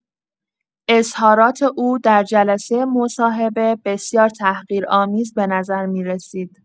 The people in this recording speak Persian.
اظهارات او در جلسه مصاحبه بسیار تحقیرآمیز به نظر می‌رسید.